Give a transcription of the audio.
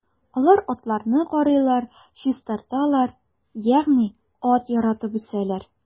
Алар атларны карыйлар, чистарталар, ягъни ат яратып үсәләр.